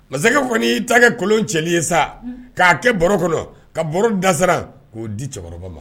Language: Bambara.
Masakɛ kɔni y'i ta kɛ kolon cɛli ye sa k'a kɛ baro kɔnɔ ka baro dasirara k'o di cɛkɔrɔba ma